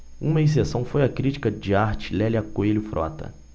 uma exceção foi a crítica de arte lélia coelho frota